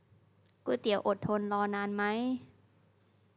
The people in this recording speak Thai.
ก๋วยเตี๋ยวอดทนรอนานไหม